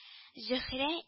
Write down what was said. Зөһрә